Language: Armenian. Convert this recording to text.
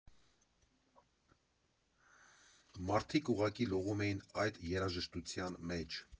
Մարդիկ ուղղակի լողում էին այդ երաժշտության մեջ։